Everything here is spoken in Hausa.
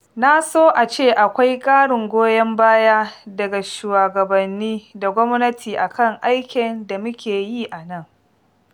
Na so ace akwai ƙarin goyon baya daga shugabanni da gwamnati a kan aikin da muke yi a nan.